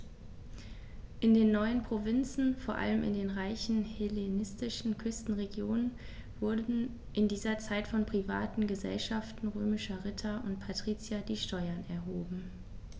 In den neuen Provinzen, vor allem in den reichen hellenistischen Küstenregionen, wurden in dieser Zeit von privaten „Gesellschaften“ römischer Ritter und Patrizier die Steuern erhoben.